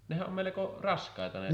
nehän on melko raskaita ne